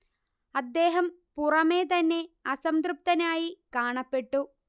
അദ്ദേഹം പുറമേ തന്നെ അസംതൃപ്തനായി കാണപ്പെട്ടു